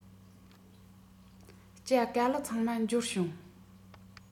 ཇ ག ལི ཚང མ འབྱོར བྱུང